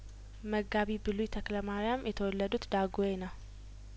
መጋቢ ብሉይተክለማሪያም የተወለዱት ዳጔ ነው